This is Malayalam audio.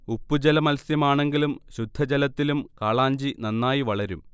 ഉപ്പ്ജല മത്സ്യമാണെങ്കിലും ശുദ്ധജലത്തിലും കാളാഞ്ചി നന്നായി വളരും